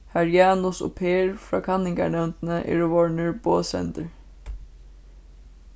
har janus og per frá kanningarnevndini eru vorðnir boðsendir